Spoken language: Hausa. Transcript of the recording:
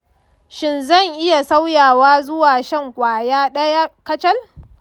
shin zan iya sauyawa zuwa shan ƙwaya ɗaya kacal?